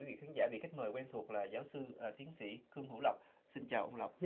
vị khán giả vị khách mời quen thuộc là giáo sư tiến sĩ trương hữu lộc xin chào ông lập